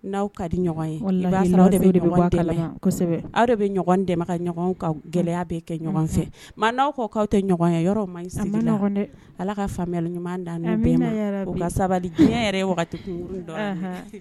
N' awaw ka di ɲɔgɔn ye aw bɛ dɛmɛ gɛlɛya bɛ kɛ ɲɔgɔn fɛ n'aw kɔ'aw tɛ ɲɔgɔn yɔrɔ ma sa la dɛ ala ka faamuyala ɲuman danba sabali diɲɛ yɛrɛ